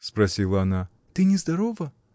— спросила она, — ты нездорова!.